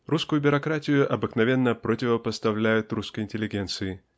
Русскую бюрократию обыкновенно противопоставляют русской интеллигенции